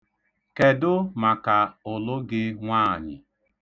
Kedụ maka ụlụ gị nwaanyị?